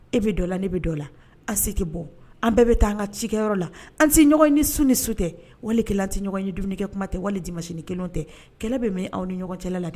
E bɛ dɔ la ne bɛ dɔ la an si tɛ bɔ an bɛɛ bɛ taa an ka cikɛyɔrɔ la, an tɛ ɲɔgɔn ye , ni su ni su tɛ , walikɛlela an tɛ ɲɔgɔn ye ni dumunikɛ kuma tɛ, wali dimache nin kelen tɛ, kɛlɛ bɛ min aw ni ɲɔgɔn cɛla la de?